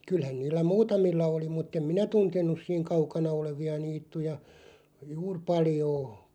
kyllähän niillä muutamilla oli mutta en minä tuntenut siinä kaukana olevia niittyjä juuri paljoa